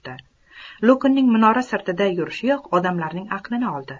luknning minora sirtida yurishiyoq odamlarning aqlini oldi